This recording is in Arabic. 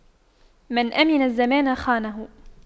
من أَمِنَ الزمان خانه